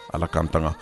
Ala k'an tanga